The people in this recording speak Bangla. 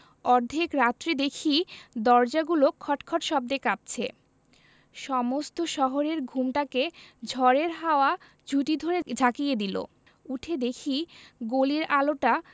অর্ধেক রাত্রে দেখি দরজাগুলো খটখট শব্দে কাঁপছে সমস্ত শহরের ঘুমটাকে ঝড়ের হাওয়া ঝুঁটি ধরে ঝাঁকিয়ে দিল উঠে দেখি গলির আলোটা